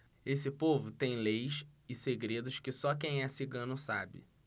esse povo tem leis e segredos que só quem é cigano sabe